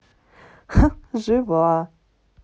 жива